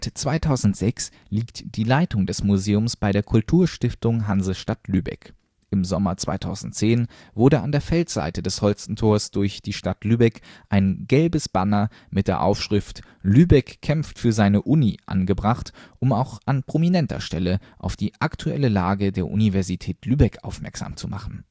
2006 liegt die Leitung des Museums bei der Kulturstiftung Hansestadt Lübeck. Im Sommer 2010 wurde an der Feldseite des Holstentors durch die Stadt Lübeck ein gelbes Banner mit der Aufschrift Lübeck kämpft für seine Uni angebracht, um auch an prominenter Stelle auf die aktuelle Lage der Universität zu Lübeck aufmerksam zu machen